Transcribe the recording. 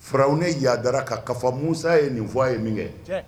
Firawuna yadara ka kafa Musa ye nin fɔ a ye min kɛ